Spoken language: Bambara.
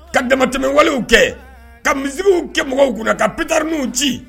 Ka damatɛmɛwalew kɛ ka musique w kɛ mɔgɔw kunna ka pétard ninw ci